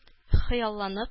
Хыялланып